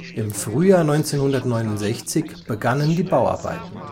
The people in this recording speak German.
Im Frühjahr 1969 begannen die Bauarbeiten